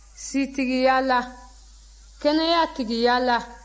sitigiya la kɛnɛya tigiya la